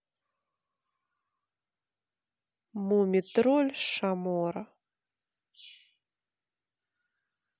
мумий тролль шамора